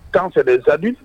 K'an fɛɛrɛ da di